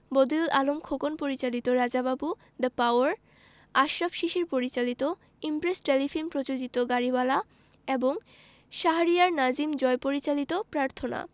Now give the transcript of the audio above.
বদিউল আলম খোকন পরিচালিত Raja Babu the power Ashraf Shishir পরিচালিত ইমপ্রেস টেলিফিল্ম প্রযোজিত গাড়িওয়ালা এবং শাহরিয়ার নাজিম জয় পরিচালিত প্রার্থনা